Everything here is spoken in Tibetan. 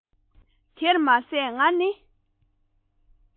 དེར མ ཟད ང ནི